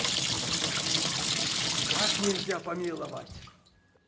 как нельзя помиловать